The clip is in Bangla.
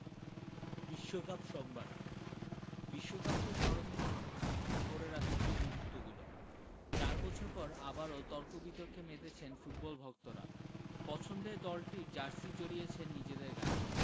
বিশ্বকাপ সংবাদ বিশ্বকাপকে স্মরণীয় করে রাখছে যে মুহূর্তগুলো চার বছর পর আবারও তর্ক বিতর্কে মেতেছেন ফুটবল ভক্তরা পছন্দের দলটির জার্সি জড়িয়েছেন নিজেদের গায়